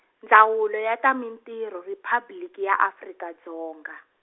Ndzawulo ya ta Mintirho Riphabliki ya Afrika Dzonga.